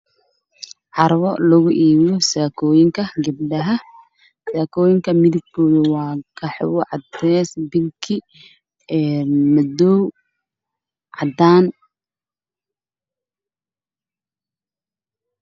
Halkaan waa carwo lagu iibiyo